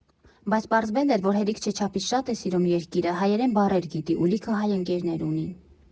Բայց պարզվել էր, որ հերիք չէ չափից շատ է սիրում երկիրը, հայերեն բառեր գիտի ու լիքը հայ ընկերներ ունի։